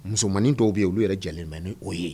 Musomanin dɔw bɛ yen olu yɛrɛ jɛnlen bɛ ni o ye.